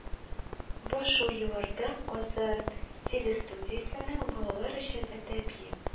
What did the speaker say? Башлый: елларда казан телестудиясенең балалар өчен әдәби